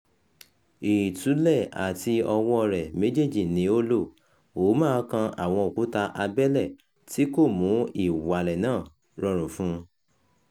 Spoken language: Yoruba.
Ìtúlẹ̀ àti ọwọ́ọ rẹ̀ méjèèjì ni ó lò, Ouma kan àwọn òkúta abẹ́lẹ̀ tí kò mú ìwalẹ̀ náà rọrùn fún un.